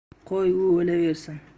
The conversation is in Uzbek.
qo'y u o'laversin